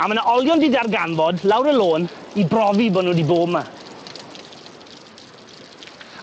A ma' 'na olion 'di darganfod lawr y lôn i brofi bo' n'w 'di bod 'ma.